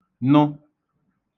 nụ